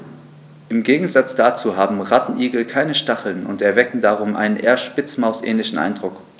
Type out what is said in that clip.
Im Gegensatz dazu haben Rattenigel keine Stacheln und erwecken darum einen eher Spitzmaus-ähnlichen Eindruck.